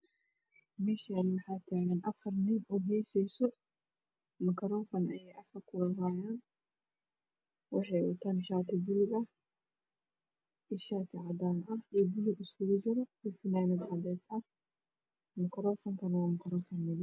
Meshan waxa tagan afar nin oo heeseso maka rofan ayey afka ku hayan dharka kala eey watan waa shati balog ah io cadan ah io fonanad cades ah makarofan waa mid madow ah